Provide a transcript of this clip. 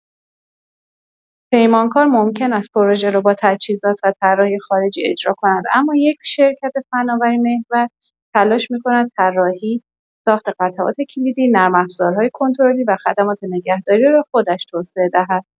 پیمانکار ممکن است پروژه را با تجهیزات و طراحی خارجی اجرا کند، اما یک شرکت فناوری‌محور تلاش می‌کند طراحی، ساخت قطعات کلیدی، نرم‌افزارهای کنترلی و خدمات نگهداری را خودش توسعه دهد.